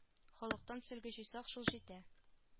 Халыктан сөлге җыйсак шул җитә